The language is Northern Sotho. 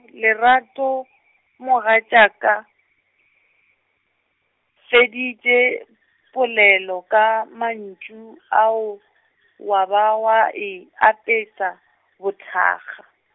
lerato, mogatšaka, feditše polelo ka mantšu ao, wa ba wa e apeša, bothakga.